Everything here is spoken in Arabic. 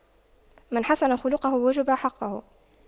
من حسن خُلقُه وجب حقُّه